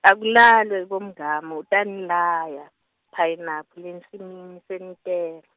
Akulalwe bomngamu utanilaya, phayinaphu lensimini senetela.